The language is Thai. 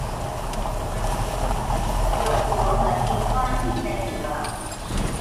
ปวดหัวเหมือนมีก้อนหินในหัว